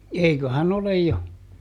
eiköhän ole jo